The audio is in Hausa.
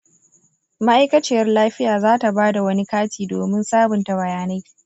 ma’aikaciyar lafiya za ta ba da wani kati domin sabunta bayanai.